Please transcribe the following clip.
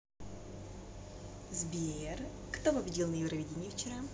сбер кто победил на евровидении вчера